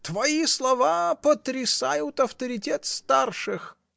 твои слова потрясают авторитет старших!.